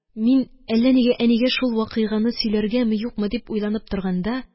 Мин әллә нигә әнигә шул вакыйганы сөйләргәме-юкмы дип уйланып торганда